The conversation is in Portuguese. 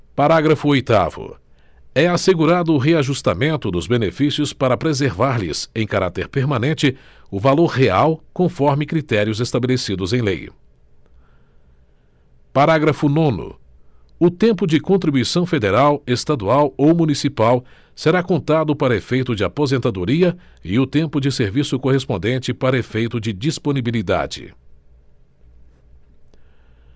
parágrafo oitavo é assegurado o reajustamento dos benefícios para preservar lhes em caráter permanente o valor real conforme critérios estabelecidos em lei parágrafo nono o tempo de contribuição federal estadual ou municipal será contado para efeito de aposentadoria e o tempo de serviço correspondente para efeito de disponibilidade